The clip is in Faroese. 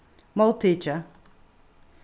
móttikið